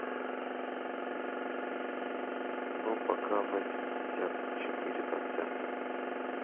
ну пока восемьдесят четыре процента